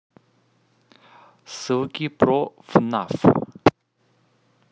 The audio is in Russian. ссылки про фнаф